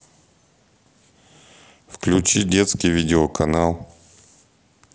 включи детский видеоканал